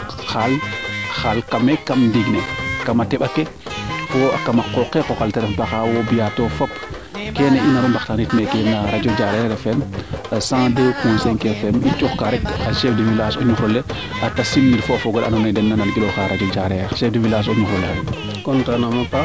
xaal tam kam ndiing ne kama teɓa ke kama qooqe kookale te ref baxaawo biyaato fop keene i naru mbaxtaanit no radio le Diarekh FM 102 point 5 Fm i coox ka rek a chef du village o ñuxrole a reta sim nir fo o fogole ando dena nan giloxa radio Diarekh Chef du village o ñuxrole xay